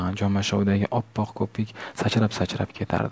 jomashovdagi oppoq ko'pik sachrab sachrab ketardi